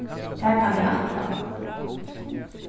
tað kann eg ætla